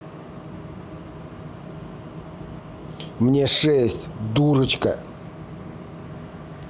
мне шесть дурочка